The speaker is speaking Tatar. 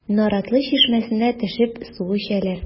Наратлы чишмәсенә төшеп су эчәләр.